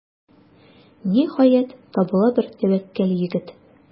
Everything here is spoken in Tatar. Ниһаять, табыла бер тәвәккәл егет.